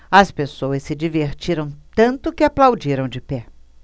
as pessoas se divertiram tanto que aplaudiram de pé